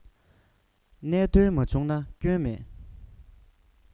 གནད དོན མ བྱུང ན སྐྱོན མེད